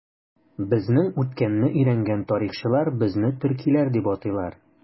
Безнең үткәнне өйрәнгән тарихчылар безне төркиләр дип атыйлар.